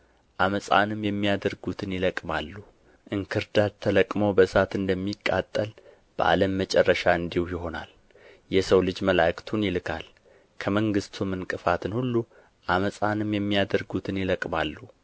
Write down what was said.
ዓመፃንም የሚያደርጉትን ይለቅማሉ እንክርዳድ ተለቅሞ በእሳት እንደሚቃጠል በዓለም መጨረሻ እንዲሁ ይሆናል የሰው ልጅ መላእክቱን ይልካል ከመንግሥቱም እንቅፋትን ሁሉ ዓመፃንም የሚያደርጉትን ይለቅማሉ